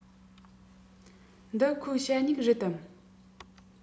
འདི ཁོའི ཞ སྨྱུག རེད དམ